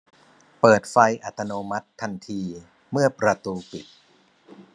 เปิดไฟอัตโนมัติทันทีเมื่อประตูปิด